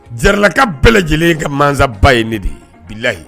Jaralaka bɛɛ lajɛlen ka mansaba ye ne de ye bi layi